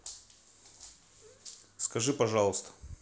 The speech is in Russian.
скажи пожалуйста